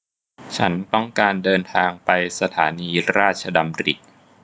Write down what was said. ฉันต้องการเดินทางไปสถานีราชดำริ